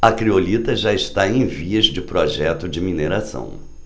a criolita já está em vias de projeto de mineração